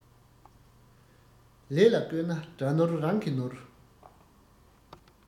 ལས ལ བཀོད ན དགྲ ནོར རང གི ནོར